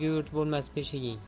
o'zga yurt bo'lmas beshiging